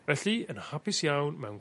felly yn hapus iawn mewn